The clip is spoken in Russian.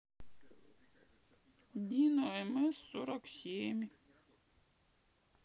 дино мс сорок семь